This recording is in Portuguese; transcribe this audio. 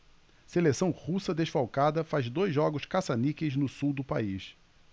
seleção russa desfalcada faz dois jogos caça-níqueis no sul do país